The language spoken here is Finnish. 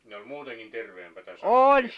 ne oli muutenkin terveempää sakkia -